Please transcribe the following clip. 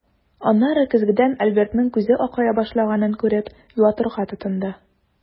Аннары көзгедән Альбертның күзе акая башлаганын күреп, юатырга тотынды.